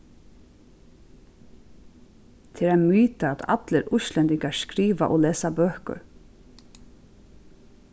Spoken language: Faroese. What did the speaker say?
tað er ein myta at allir íslendingar skriva og lesa bøkur